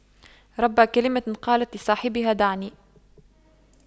رب كلمة قالت لصاحبها دعني